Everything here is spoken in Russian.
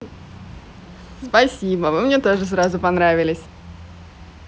спасибо вы мне тоже сразу понравились